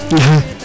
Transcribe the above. axa